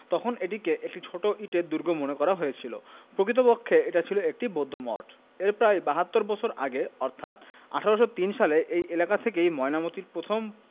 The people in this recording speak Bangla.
তখন এটিকে একটি ছোট ইটের দুর্গ মনে করা হয়েছিল প্রকৃতপক্ষে এটি ছিল একটি বৌদ্ধ মঠ এর প্রায় ৭২ বছর আগে অর্থাৎ ১৮০৩ সালে এই এলাকা থেকেই ময়নামতীর প্রথম